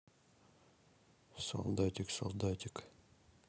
солдатик солдатик